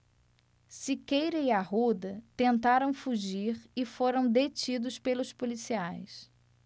siqueira e arruda tentaram fugir e foram detidos pelos policiais